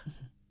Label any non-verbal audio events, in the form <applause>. <hesitation> <hesitation>